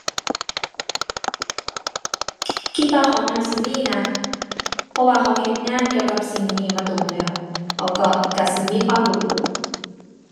คิดว่าเขาน่าสิมีนะ เพราะว่าเขาเฮ็ดงานเกี่ยวกับสิ่งนี้มาโดนแล้ว เขาก็ ก็สิมีความรู้อยู่